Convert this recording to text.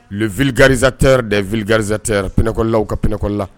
Vilikararizte da0vilikariztepɛkɔla kapɛkɔli